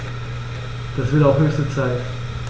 Das wird auch höchste Zeit!